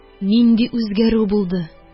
Нинди үзгәрү булды